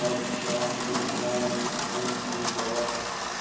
Молчаньем манит мутный мрак.